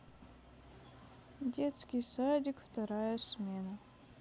детский садик вторая смена